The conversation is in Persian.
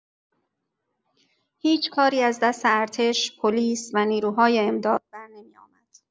هیچ کاری از دست ارتش، پلیس و نیروهای امداد برنمی‌آمد.